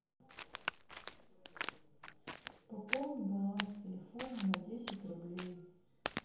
пополни баланс телефона на десять рублей